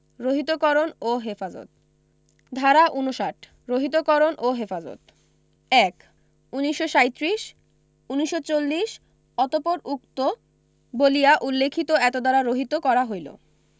রহিতকরণ ও হেফাজত ধারা ৫৯ রহিতকরণ ও হেফাজত ১ ১৯৩৭ ১৯৪০ অতঃপর উক্ত বলিয়া উল্লিখিত এতদ্বারা রহিত করা হইল